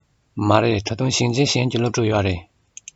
མ རེད ད དུང ཞིང ཆེན གཞན གྱི སློབ ཕྲུག ཡོད རེད